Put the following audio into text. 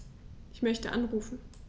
Ich möchte anrufen.